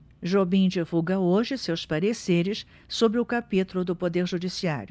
jobim divulga hoje seus pareceres sobre o capítulo do poder judiciário